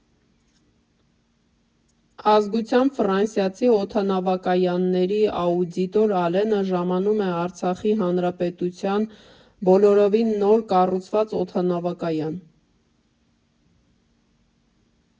Ազգությամբ ֆրանսիացի օդանավակայանների աուդիտոր Ալենը ժամանում է Արցախի Հանրապետության՝ բոլորովին նոր կառուցված օդանավակայան։